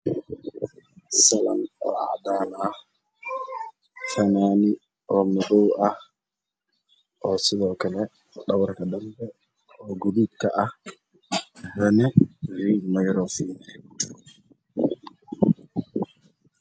Waa fanaanad madow iyo guduud ah